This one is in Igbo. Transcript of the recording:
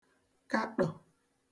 kaṭọ̀